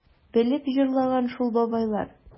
Белеп җырлаган шул бабайлар...